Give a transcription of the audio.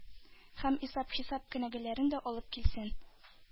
Һәм: «исәп-хисап кенәгәләрен дә алып килсен»,